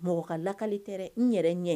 Mɔgɔ ka lakali tɛ dɛ, n yɛrɛ ɲɛ.